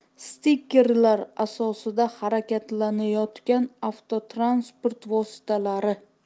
stikerlar asosida harakatlanayotgan avtotransport vositalari